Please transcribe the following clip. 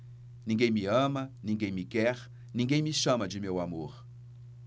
ninguém me ama ninguém me quer ninguém me chama de meu amor